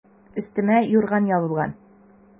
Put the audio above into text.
Өстемә юрган ябылган.